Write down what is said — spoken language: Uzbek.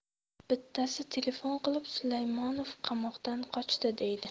bittasi telefon qilib sulaymonov qamoqdan qochdi deydi